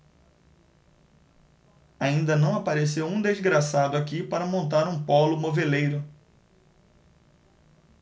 ainda não apareceu um desgraçado aqui para montar um pólo moveleiro